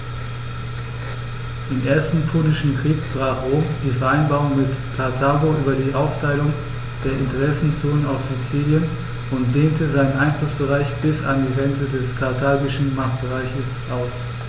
Im Ersten Punischen Krieg brach Rom die Vereinbarung mit Karthago über die Aufteilung der Interessenzonen auf Sizilien und dehnte seinen Einflussbereich bis an die Grenze des karthagischen Machtbereichs aus.